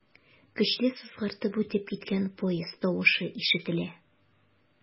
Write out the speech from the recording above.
Көчле сызгыртып үтеп киткән поезд тавышы ишетелә.